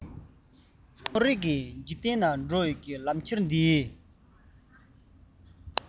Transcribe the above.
རྩོམ རིག གི འཇིག རྟེན ཉུལ པའི ལམ ཁྱེར འདི ནས